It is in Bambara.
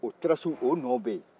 o tirasi o nɔn bɛ yen